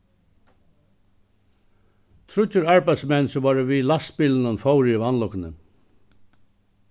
tríggir arbeiðsmenn sum vóru við lastbilinum fóru í vanlukkuni